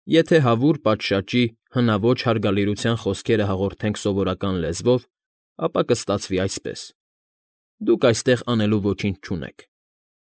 Եթե հավուր պատշաճի հնաոճ հարգալիրության խոսքերը հաղորդենք սովորական լեզվով, ապա կստացվի այսպես. «Դուք այստեղ անելու ոչինչ չունեք։